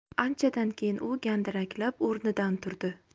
anchadan keyin u gandiraklab o'rnidan turdi